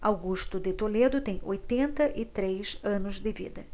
augusto de toledo tem oitenta e três anos de vida